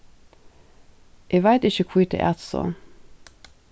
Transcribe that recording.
eg veit ikki hví tað æt so